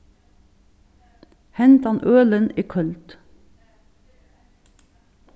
hendan ølin er køld